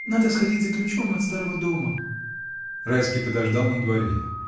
— Надо сходить за ключом от старого дома. Райский подождал на дворе.